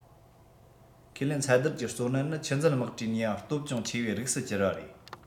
ཁས ལེན ཚད བསྡུར གྱི གཙོ གནད ནི ཆུ འཛུལ དམག གྲུའི ནུས པ སྟོབས ཅུང ཆེ བའི རིགས སུ གྱུར བ རེད